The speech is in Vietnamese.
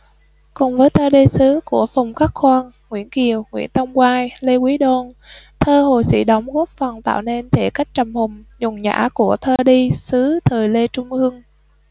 cùng với thơ đi sứ của phùng khắc khoan nguyễn kiều nguyễn tông quai lê quý đôn thơ hồ sĩ đống góp phần tạo nên thể cách trầm hùng nhuần nhã của thơ đi sứ thời lê trung hưng